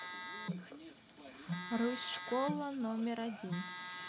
русь школа номер один